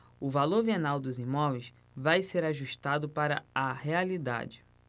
o valor venal dos imóveis vai ser ajustado para a realidade